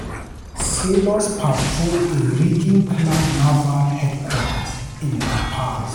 Sailors patrol a rigging-clad naval headquarters in La Paz.